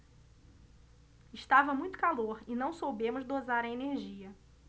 estava muito calor e não soubemos dosar a energia